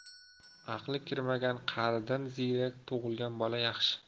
aqli kirmagan qaridan ziyrak tug'ilgan bola yaxshi